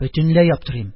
Бөтенләй аптырыйм